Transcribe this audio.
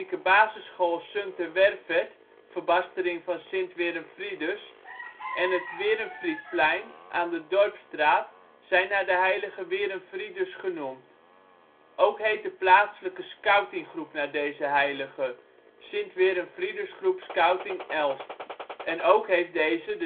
Basisschool Sunte Werfert (verbastering van Sint Werenfridus) en het Werenfriedplein aan de Dorpsstraat zijn naar de Heilige Werenfridus genoemd. Ook heet de plaatselijke scoutinggroep naar deze heilige; Sint Werenfridusgroep Scouting Elst en ook heeft deze de nalatenschap